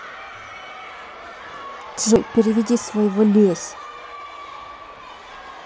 джой переведи своего лезь